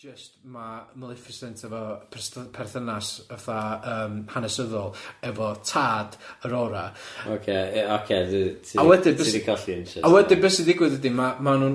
Jyst ma' Maleficent efo persy- perthynas fatha yym hanesyddol efo tad Aurora. Ocê ia ocê dw i ti... A wedyn be' sy ...ti 'di colli un jyst... A wedyn be' sy'n digwydd ydi ma' ma' nhw'n...